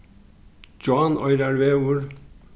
gjánoyrarvegur